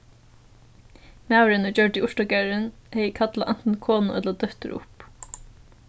maðurin ið gjørdi urtagarðin hevði kallað antin konu ella dóttur upp